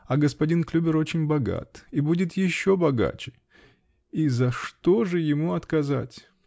а господин Клюбер очень богат и будет еще богаче. И за что же ему отказать?